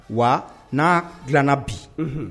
Wa n'a dilana bi